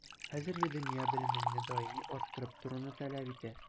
Хәзерге дөнья белемеңне даими арттырып торуны таләп итә.